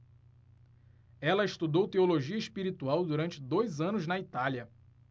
ela estudou teologia espiritual durante dois anos na itália